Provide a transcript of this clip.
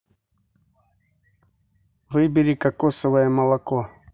выбери кокосовое молоко